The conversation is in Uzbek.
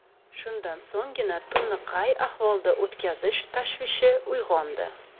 shundan so'nggina tunni qay ahvolda o'tkazish tashvishi uyg'ondi